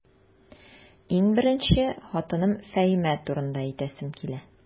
Иң беренче, хатыным Фәһимә турында әйтәсем килә.